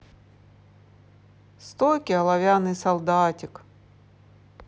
стойкий оловянный солдатик